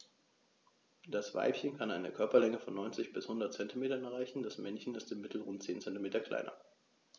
Das Weibchen kann eine Körperlänge von 90-100 cm erreichen; das Männchen ist im Mittel rund 10 cm kleiner.